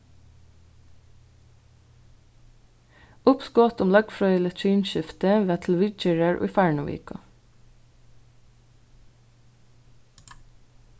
uppskot um løgfrøðiligt kynsskifti var til viðgerðar í farnu viku